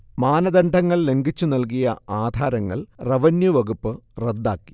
മാനദണ്ഡങ്ങൾ ലംഘിച്ചു നൽകിയ ആധാരങ്ങൾ റവന്യൂ വകുപ്പ് റദ്ദാക്കി